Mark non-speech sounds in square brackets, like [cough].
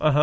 [hesitation] [hesitation]